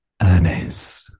Ynys...